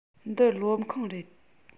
འདི སློབ ཁང རེད